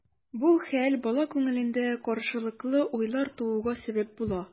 Бу хәл бала күңелендә каршылыклы уйлар тууга сәбәп була.